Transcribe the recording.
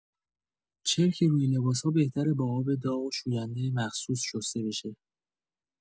چرک روی لباس‌ها بهتره با آب داغ و شوینده مخصوص شسته بشه.